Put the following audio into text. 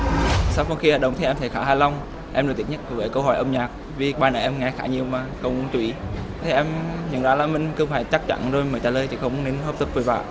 sau phần thi khởi động thì em thấy khá hài lòng em vẫn tiếc nhất về câu hỏi âm nhạc vì bài đấy em nghe khá nhiều mà không chú ý thì em nhận ra là mình cứ phải chắc chắn rồi mới trả lời chứ không nên hấp tấp vội vã